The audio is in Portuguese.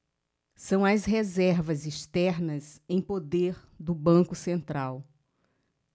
são as reservas externas em poder do banco central